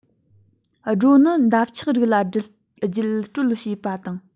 སྒྲོ ནི འདབ ཆགས རིགས ལ བརྒྱུད སྤྲོད བྱས པ དང